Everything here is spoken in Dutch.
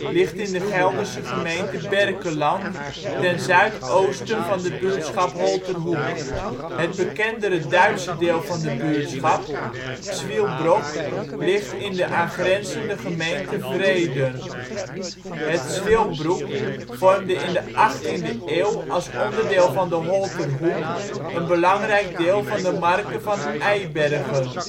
ligt in de Gelderse gemeente Berkelland, ten zuidoosten van de buurtschap Holterhoek. Het bekendere Duitse deel van de buurtschap, Zwillbrock, ligt in de aangrenzende gemeente Vreden. Het Zwilbroek vormde in de 18e eeuw als onderdeel van de Holterhoek een belangrijk deel van de marke van Eibergen